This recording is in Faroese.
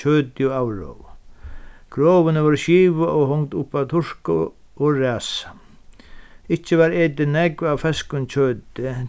kjøti og avroðum krovini vórðu skivað og hongd upp at turka og ræsa ikki varð etið nógv av feskum kjøti